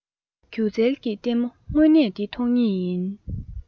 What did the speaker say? སྒྱུ རྩལ གྱི ལྟད མོ དངོས གནས དེ མཐོང ངེས ཡིན